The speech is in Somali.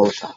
wata